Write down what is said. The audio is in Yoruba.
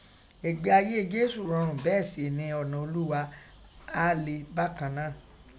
Ẹgbé ayé Jesu rọrùn bẹ́ẹ̀ sèè ni ọ̀nà Olúgha áà lé báàkàn náà.